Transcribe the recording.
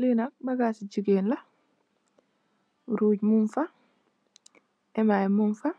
Li nak bagas ci jigéen la, rug mung fa, emè mung fa,